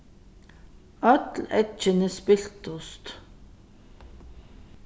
øll eggini spiltust